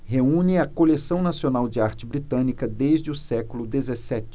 reúne a coleção nacional de arte britânica desde o século dezessete